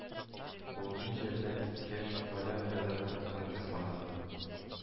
Буыны җирдән киткәч, галәм гизеп кайткан космонавт